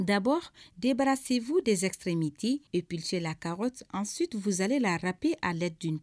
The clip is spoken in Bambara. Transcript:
Dabɔ debarara sev degsremeti u ppte la kas an sutu0zali larap a la dunun